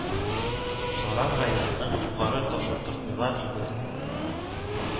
Шаран районының Югары Ташутыртмыйлар иде